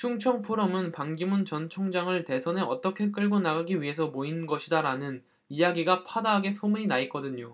충청포럼은 반기문 전 총장을 대선에 어떻게 끌고 나가기 위해서 모인 것이다라는 이야기가 파다하게 소문이 나 있거든요